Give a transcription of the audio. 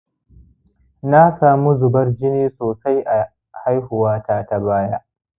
na samu zubar jini sosai a haihuwa ta ta baya